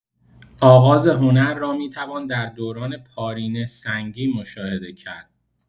آغاز هنر را می‌توان در دوران پارینه‌سنگی مشاهده کرد.